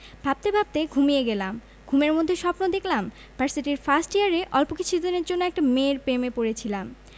ভাবতে ভাবতে ঘুমিয়ে গেলাম ঘুমের মধ্যে স্বপ্ন দেখলাম ভার্সিটির ফার্স্ট ইয়ারে অল্প কিছুদিনের জন্য একটা মেয়ের প্রেমে পড়েছিলাম